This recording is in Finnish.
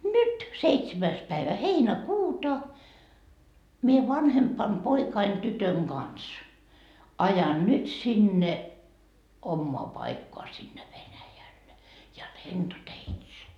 nyt seitsemäs päivä heinäkuuta minä vanhemman poikani tytön kanssa ajan nyt sinne omaan paikkaan sinne Venäjälle ja lentoteitse